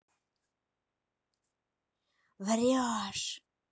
врешь